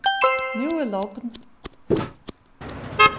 nú er logn